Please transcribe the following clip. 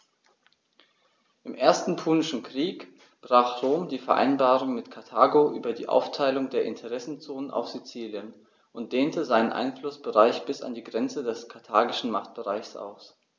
Im Ersten Punischen Krieg brach Rom die Vereinbarung mit Karthago über die Aufteilung der Interessenzonen auf Sizilien und dehnte seinen Einflussbereich bis an die Grenze des karthagischen Machtbereichs aus.